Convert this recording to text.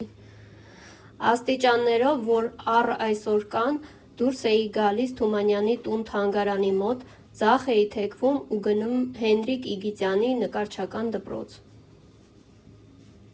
Աստիճաններով, որ առ այսօր կան, դուրս էի գալիս Թումանյանի տուն֊թանգարանի մոտ, ձախ էի թեքվում ու գնում Հենրիկ Իգիթյանի նկարչական դպրոց։